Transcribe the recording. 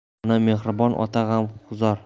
ona mehribon ota g'amg'uzor